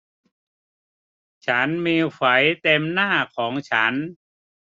ฉันมีไฝเต็มหน้าของฉัน